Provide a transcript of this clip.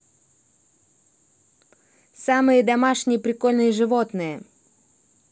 самые домашние прикольные животные